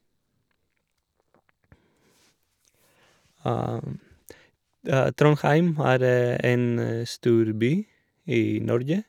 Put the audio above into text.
Trondheim er en stor by i Norge.